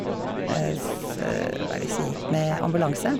s Hva er det jeg sier, med ambulanse.